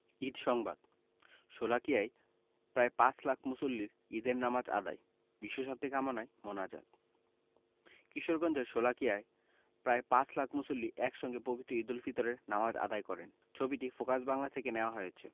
ঈদ সংবাদ শোলাকিয়ায় প্রায় পাঁচ লাখ মুসল্লির ঈদের নামাজ আদায় বিশ্বশান্তি কামনায় মোনাজাত কিশোরগঞ্জের শোলাকিয়ায় প্রায় পাঁচ লাখ মুসল্লি একসঙ্গে পবিত্র ঈদুল ফিতরের নামাজ আদায় করেন ছবিটি ফোকাস বাংলা থেকে নেয়া হয়েছে